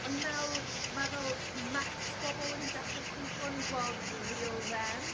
ond nawr, mae fel masks bobl wedi dechrau cwympo, ni'n gweld real them.